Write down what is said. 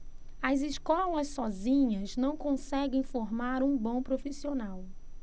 as escolas sozinhas não conseguem formar um bom profissional